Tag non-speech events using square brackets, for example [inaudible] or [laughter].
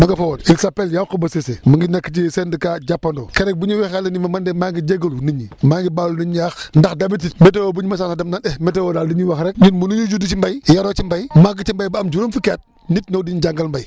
mu nga fa woon il s' appelle Yakhoba Cissé mu ngi nekk ci syndicat Jappandoo keroog bi ñu waxee la ni ma man de maa ngi jégalu nit ñi maa ngi baalu nit ñi àq ndax d' habitude météo bu ñu mosaan a dem ne eh météo daal dañuy wax rek ñu munuñu judd si mbéy yaroo ci mbey [noise] màgg ci mbey ba am juróom fukki at nit ñëw di ñu jàngal mbéy